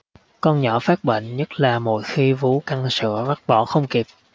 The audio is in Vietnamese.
con nhỏ phát bệnh nhất là mỗi khi vú căng sữa vắt bỏ không kịp